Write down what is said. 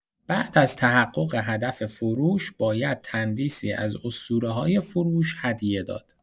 بعد از تحقق هدف فروش، باید تندیسی از اسطوره‌های فروش هدیه داد.